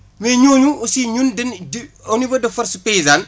mais ñooñu aussi ñun dañuy di au niveau de force paysane